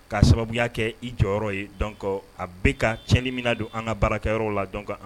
K ka sababuya kɛ i jɔyɔrɔ ye donc a bɛ ka tiɲɛnni min ladon an ka baarakɛyɔrɔ la donc